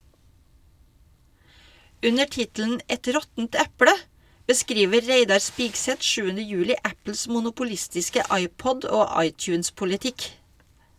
Under tittelen «Et råttent eple» beskriver Reidar Spigseth 7. juli Apples monopolistiske iPod- og iTunes-politikk.